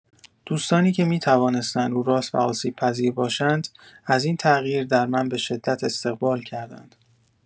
دوستانی که می‌توانستند روراست و آسیب‌پذیر باشند از این تغییر در من به‌شدت استقبال کردند.